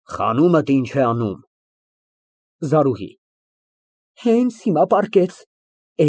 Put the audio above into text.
Խանումդ ի՞նչ է անում։ ԶԱՐՈՒՀԻ ֊ Հենց հիմա պառկեց։